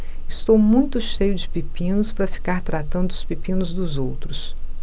estou muito cheio de pepinos para ficar tratando dos pepinos dos outros